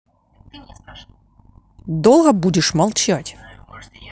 долго будешь молчать